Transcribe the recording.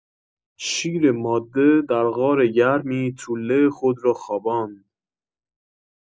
شیر ماده در غار گرمی توله خود را خواباند